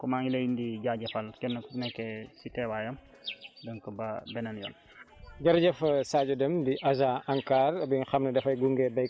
suñu njëriñ la sa njëriñ la mais tamit njëriñu commune bi la voilà donc maa ngi leen di jaajëfal kenn ku nekk si teewaayam donc ba beneen yoon